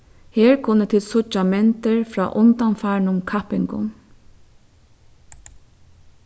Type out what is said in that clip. her kunnu tit síggja myndir frá undanfarnum kappingum